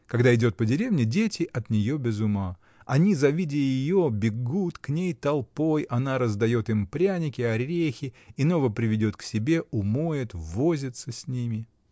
Когда идет по деревне, дети от нее без ума: они, завидя ее, бегут к ней толпой, она раздает им пряники, орехи, иного приведет к себе, умоет, возится с ними.